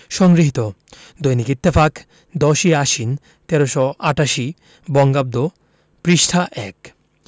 সংগৃহীত দৈনিক ইত্তেফাক ১০ই আশ্বিন ১৩৮৮ বঙ্গাব্দ পৃষ্ঠা ১